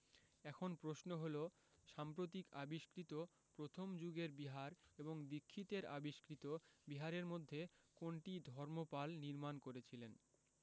এখন প্রশ্ন হলো সাম্প্রতিক আবিষ্কৃত প্রথম যুগের বিহার এবং দীক্ষিতের আবিষ্কৃত বিহারের মধ্যে কোনটি ধর্মপাল নির্মাণ করেছিলেন